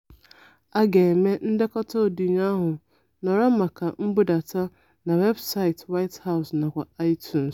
A ga-eme ndekọta odiyo ahụ nọrọ maka mbudata na webụsaịtị White House nakwa iTunes.